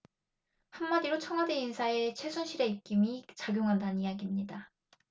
한 마디로 청와대 인사에 최순실의 입김이 작용한다는 이야깁니다